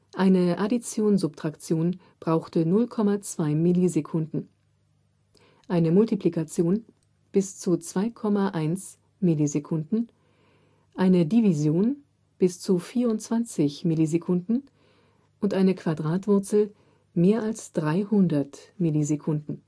Eine Addition/Subtraktion brauchte 0,2 Millisekunden, eine Multiplikation bis zu 2,8 ms, eine Division bis zu 24 ms und eine Quadratwurzel mehr als 300 ms